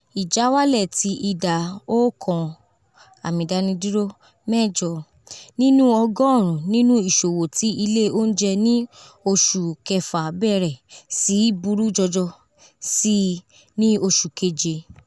Ìjáwálẹ̀ ti ìdá 1.8 nínú ọgọ́ọ̀rún nínú ìṣòwò ti ilé óùnjẹ ní Oṣù Kẹfà bẹ̀rẹ̀ síì burú jọjọ síì ní Oṣù keje.